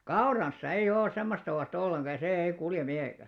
kaurassa ei ole semmoista oasta ollenkaan ja se ei kulje mihinkään